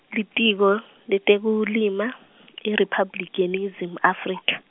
Litiko leTekulima IRiphabliki yeNingizimu Afrika.